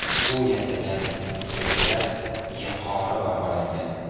u yasagan qilichlar yuqori baholangan